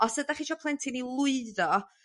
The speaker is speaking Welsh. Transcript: Os ydach chi isio plentyn i lwyddo